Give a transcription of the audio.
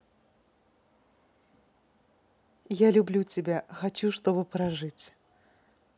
я люблю тебя хочу чтобы прожить